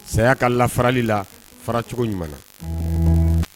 Saya ka lafarali la faracogo ɲuman na